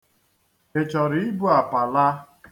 Ị chọrọ ibu apa laa?